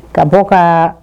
Ka bɔkala